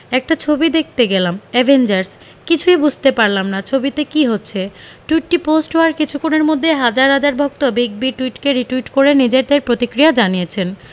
একটা ছবি দেখতে গেলাম অ্যাভেঞ্জার্স... কিছু বুঝতেই পারলাম না ছবিতে কী হচ্ছে টুইটটি পোস্ট হওয়ার কিছুক্ষণের মধ্যেই হাজার হাজার ভক্ত বিগ বির টুইটকে রিটুইট করে নিজেদের প্রতিক্রিয়া জানিয়েছেন